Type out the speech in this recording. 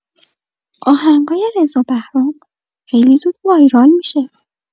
آهنگای رضا بهرام خیلی زود وایرال می‌شه.